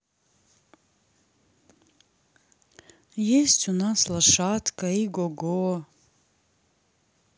есть у нас лошадка игого